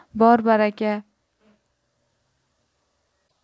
bor baraka